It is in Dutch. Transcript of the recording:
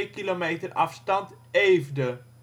kilometer afstand Eefde